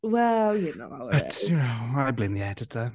Wel you know... But you know I blame the editor.